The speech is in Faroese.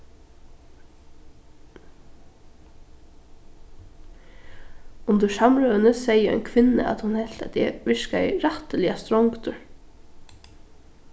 undir samrøðuni segði ein kvinna at hon helt at eg virkaði rættiliga strongdur